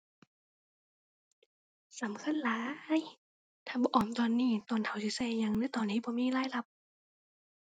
สำคัญหลาย ถ้าบ่ออมตอนนี้ตอนเฒ่าสิใช้อิหยังหรือตอนที่บ่มีรายรับ